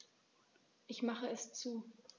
Ich mache es zu.